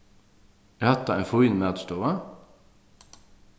er hatta ein fín matstova